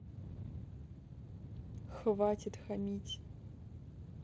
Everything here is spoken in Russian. хватит хамить